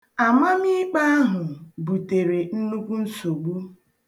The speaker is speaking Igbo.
Amamiikpe ahụ butere nnukwu nsogbu.